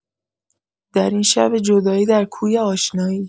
در این شب جدایی در کوی آشنایی